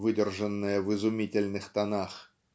выдержанная в изумительных тонах.